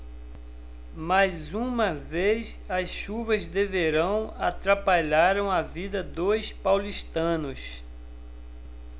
mais uma vez as chuvas de verão atrapalharam a vida dos paulistanos